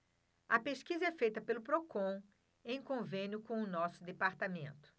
a pesquisa é feita pelo procon em convênio com o diese